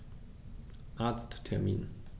Arzttermin